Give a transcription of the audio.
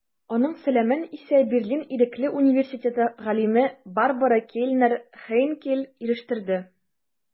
Аның сәламен исә Берлин Ирекле университеты галиме Барбара Кельнер-Хейнкель ирештерде.